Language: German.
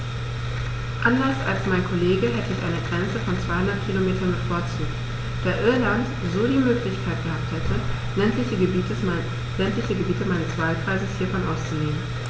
Anders als mein Kollege hätte ich eine Grenze von 200 km bevorzugt, da Irland so die Möglichkeit gehabt hätte, ländliche Gebiete meines Wahlkreises hiervon auszunehmen.